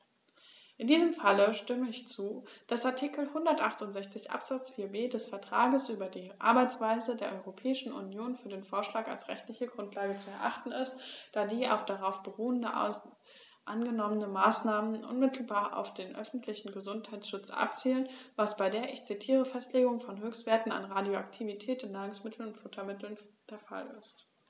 In diesem Fall stimme ich zu, dass Artikel 168 Absatz 4b des Vertrags über die Arbeitsweise der Europäischen Union für den Vorschlag als rechtliche Grundlage zu erachten ist, da die auf darauf beruhenden angenommenen Maßnahmen unmittelbar auf den öffentlichen Gesundheitsschutz abzielen, was bei der - ich zitiere - "Festlegung von Höchstwerten an Radioaktivität in Nahrungsmitteln und Futtermitteln" der Fall ist.